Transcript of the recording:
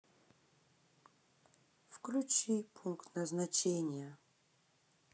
включи пункт назначения